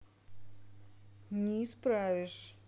не исправишь